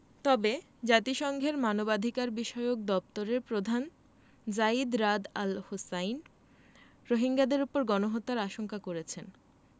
তবে জাতিসংঘের মানবাধিকারবিষয়ক দপ্তরের প্রধান যায়িদ রা’দ আল হোসেইন রোহিঙ্গাদের ওপর গণহত্যার আশঙ্কা করেছেন